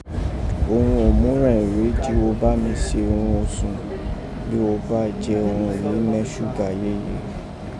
Urun òmúrẹ̀n rèé ji wo bá mí se urun osùn, bi wo ba jẹ urun èyí nẹ́ suga yéye.